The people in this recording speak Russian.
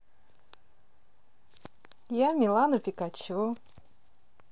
я милана пикачу